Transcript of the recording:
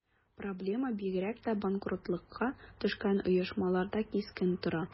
Проблема бигрәк тә банкротлыкка төшкән оешмаларда кискен тора.